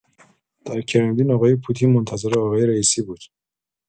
در کرملین آقای پوتین منتظر آقای رئیسی بود.